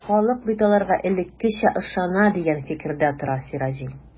Халык бит аларга элеккечә ышана, дигән фикердә тора Сираҗи.